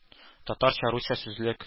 Татарча-русча сүзлек